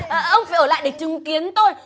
ông phải ở lại để chứng kiến tôi